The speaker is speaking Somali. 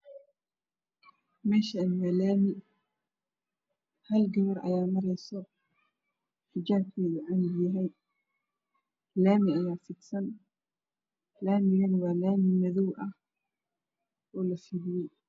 Meeshaani waa laami. Hal gabar ayaa mareyso, xijaabkeedu cad yahay laami ayaa fidsan laamiguna waa laami madow ah iyo mushin biyeeri.